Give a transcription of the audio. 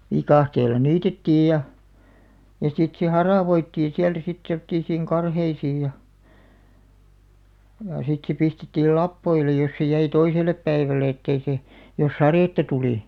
viikatteella niitettiin ja ja sitten se haravoitiin sieltä sitten semmoisiin karheisiin ja ja sitten se pistettiin lapoille jos se jäi toiselle päivälle että ei se jos sadetta tuli